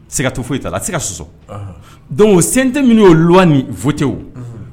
Se ka to foyi ta a se ka sososɔ dɔnku sen tɛ minnu o lwa ni fotɛ o